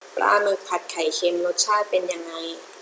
ปลาหมึกผัดไข่เค็มรสชาติเป็นยังไง